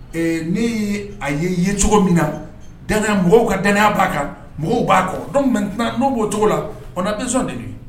Ni a ye ye cogo min na mɔgɔw ka danya b'a kan mɔgɔw b'a kɔ n'o b'o cogo la o na denmisɛnsɔn de don